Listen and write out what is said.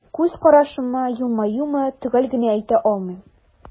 Күз карашымы, елмаюмы – төгәл генә әйтә алмыйм.